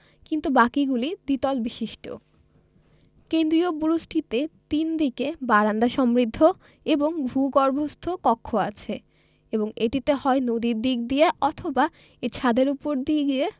কিন্তু বাকিগুলি দ্বিতল বিশিষ্ট কেন্দ্রীয় বুরুজটিতে তিন দিকে বারান্দা সমৃদ্ধ একটি ভূগর্ভস্থ কক্ষ আছে এবং এটিতে হয় নদীর দিক দিয়ে অথবা এর ছাদের উপর দিয়ে